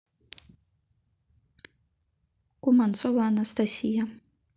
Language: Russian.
куманцова анастасия